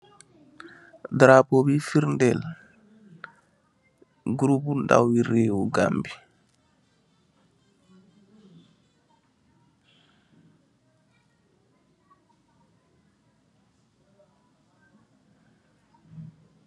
Darapu buye ferder groupu ndawe rewe Gambi.